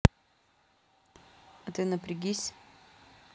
а ты напрягись